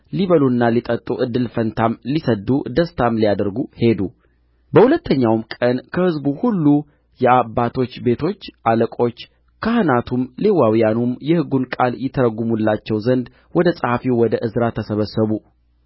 ሊበሉና ሊጠጡ እድል ፈንታም ሊሰድዱ ደስታም ሊያደርጉ ሄዱ በሁለተኛውም ቀን ከሕዝቡ ሁሉ የአባቶች ቤቶች አለቆች ካህናቱም ሌዋውያኑም የሕጉን ቃል ይተረጕምላቸው ዘንድ ወደ ጸሐፊው ወደ ዕዝራ ተሰበሰቡ